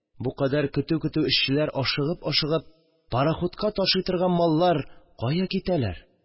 Бу кадәр көтү-көтү эшчеләр ашыгып-ашыгып пароходка ташый торган маллар кая китәләр